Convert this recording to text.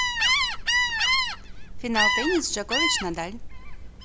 final теннис джокович надаль